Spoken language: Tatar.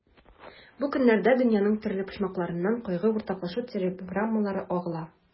Бу көннәрдә дөньяның төрле почмакларыннан кайгы уртаклашу телеграммалары агыла.